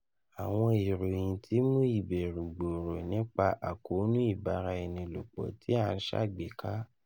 Awọn irohin ti mu ibẹru gbooro nipa akoonu ibara-ẹni-lopọ ti a n ṣagbeka